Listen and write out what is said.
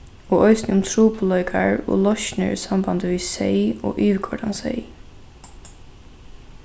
og eisini um trupulleikar og loysnir í sambandi við seyð og yvirkoyrdan seyð